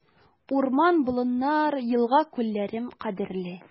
Урман-болыннар, елга-күлләрем кадерле.